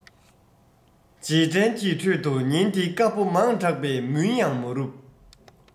རྗེས དྲན གྱི ཁྲོད དུ ཉིན དེ དཀར པོ མང དྲགས པས མུན ཡང མ རུབ